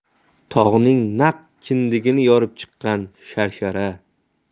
tog'ning naq kindigini yorib chiqqan sharshara